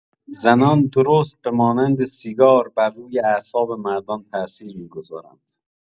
زنان، درست به مانند سیگار، برروی اعصاب مردان تاثیر می‌گذارند.